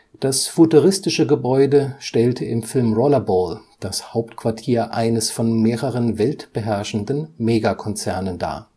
Das futuristische Gebäude stellte im Film Rollerball das Hauptquartier eines von mehreren weltbeherrschenden Megakonzernen dar